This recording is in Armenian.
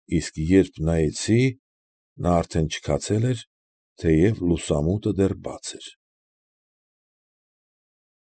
Իսկ երբ նայեցի, նա արդեն չքացել էր, թեև լուսամուտը դեռ բաց էր…